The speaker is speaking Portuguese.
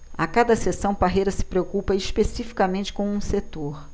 a cada sessão parreira se preocupa especificamente com um setor